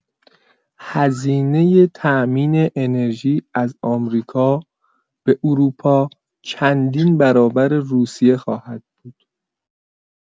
هزینه تامین انرژی از آمریکا به اروپا چندین برابر روسیه خواهد بود.